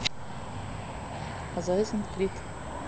азазин крид